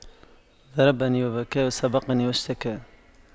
ضربني وبكى وسبقني واشتكى